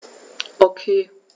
Okay.